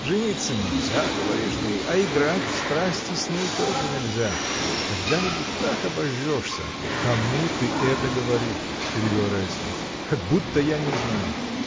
— Жениться нельзя, говоришь ты, — а играть в страсти с ней тоже нельзя. Когда-нибудь так обожжешься. — Кому ты это говоришь! — перебил Райский. — Как будто я не знаю!